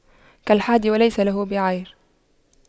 كالحادي وليس له بعير